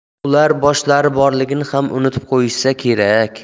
ular boshlari borligini ham unutib qo'yishsa kerak